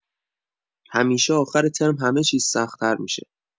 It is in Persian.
همیشه آخر ترم همه چیز سخت‌تر می‌شه